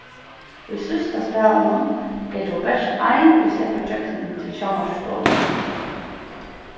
í síðsta spælinum er tó bert ein ið sleppur ígjøgnum til sjónvarpsstovuna